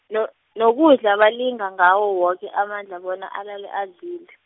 no- nokudla balinga ngawo woke amandla bona alale adlile.